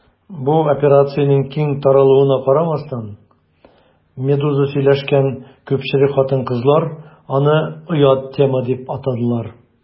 Бу операциянең киң таралуына карамастан, «Медуза» сөйләшкән күпчелек хатын-кызлар аны «оят тема» дип атадылар.